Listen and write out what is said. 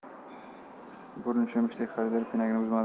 burni cho'michdek xaridor pinagini buzmadi